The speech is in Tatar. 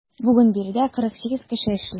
Бүген биредә 48 кеше эшли.